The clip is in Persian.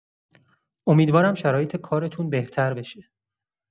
امیدوارم شرایط کارتون بهتر بشه.